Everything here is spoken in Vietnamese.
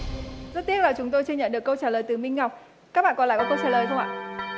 rất tiếc là chúng tôi chưa nhận được câu trả lời từ minh ngọc các bạn còn lại có câu trả lời không ạ